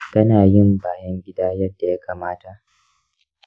kana yin bayan gida yadda ya kamata?